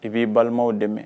I b'i balimaw dɛmɛ